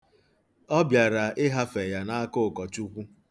Ọ bịara ịhafe ya n'aka ụkọchukwu.